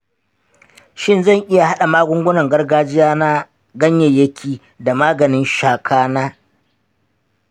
shin zan iya haɗa magungunan gargajiya na ganyayyaki da maganin shaka na?